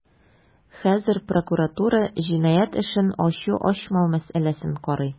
Хәзер прокуратура җинаять эшен ачу-ачмау мәсьәләсен карый.